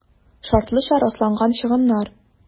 «шартлыча расланган чыгымнар»